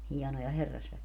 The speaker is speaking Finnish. hienoja herrasväkiä